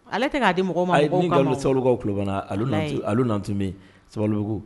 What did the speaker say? Ale tɛ k'a di mɔgɔ ma sakaw kubana tun bɛ sababu bɛ ko